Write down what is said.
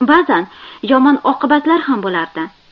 ba'zan yomon oqibatlar ham bo'lardi